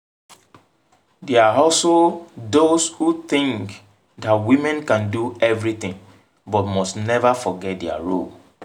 There are also those who think that women can do everything, but must never forget their "role"